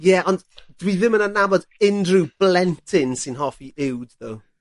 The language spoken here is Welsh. Ie ond dwi ddim yn adnabod unryw blentyn sy'n hoffi uwd tho.